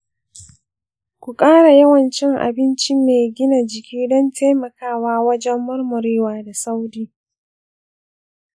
ku ƙara yawan cin abinci mai gina jiki don taimakawa wajen murmurewa da sauri.